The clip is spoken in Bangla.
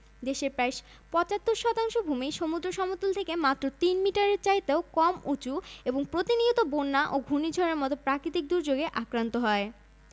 দেশের প্রায় ৭৫ শতাংশ ভূমিই সমুদ্র সমতল থেকে মাত্র তিন মিটারের চাইতেও কম উঁচু এবং প্রতিনিয়ত বন্যা ও ঘূর্ণিঝড়ের মতো প্রাকৃতিক দুর্যোগে আক্রান্ত হয়